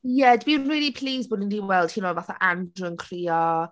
Ie dwi'n really pleased bod ni 'di weld timod fatha Andrew yn crio.